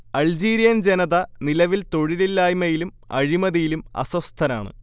Algerian ജനത നിലവിൽ തൊഴിലില്ലായ്മയിലും അഴിമതിയിലും അസ്വസ്ഥരാണ്